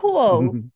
Cŵl.